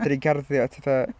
dan ni'n garddio. A ti fatha...